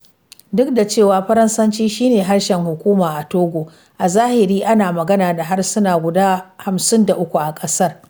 Duk da cewa Faransanci shi ne harshen hukuma a Togo, a zahiri ana magana da harsuna gida 53 a ƙasar.